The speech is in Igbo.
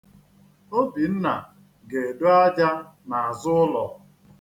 Obinna ga-edo aja n'azụ ụlọ.